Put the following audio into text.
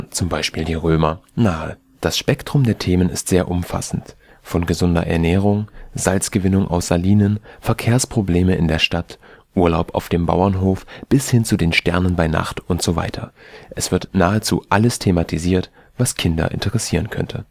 zum Beispiel die Römer) nahe. Das Spektrum der Themen ist sehr umfassend: von gesunder Ernährung, Salzgewinnung aus Salinen, Verkehrsprobleme in der Stadt, Urlaub auf dem Bauernhof bis hin zu den Sternen bei Nacht usw. Es wird nahezu alles thematisiert, was Kinder interessieren könnte